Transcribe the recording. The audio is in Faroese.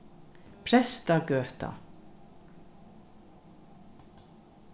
prestagøta